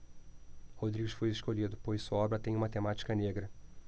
rodrigues foi escolhido pois sua obra tem uma temática negra